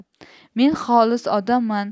men xolis odamman